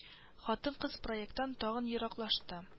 Хатын-кыз проект тан тагын да ераклашты